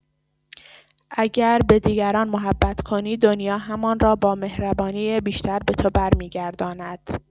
اگر به دیگران محبت کنی، دنیا همان را با مهربانی بیشتر به تو برمی‌گرداند.